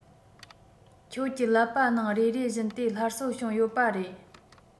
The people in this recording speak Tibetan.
ཁྱོད ཀྱི ཀླད པ ནང རེ རེ བཞིན དེ སླར གསོ བྱུང ཡོད པ རེད